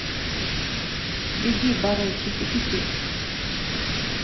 беги баре чики пики